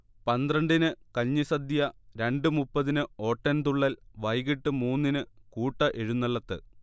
പന്ത്രണ്ടിന് കഞ്ഞിസദ്യ, രണ്ടു മുപ്പതിന് ഓട്ടൻതുള്ളൽ, വൈകീട്ട് മൂന്നിന് കൂട്ടഎഴുന്നള്ളത്ത്